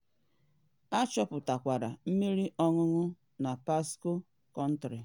Achọpụtakwala Mmiri Anụnụ na Pasco County.